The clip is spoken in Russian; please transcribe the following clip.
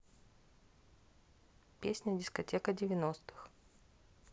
песня дискотека девяностых